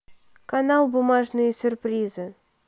канал бумажные сюрпризы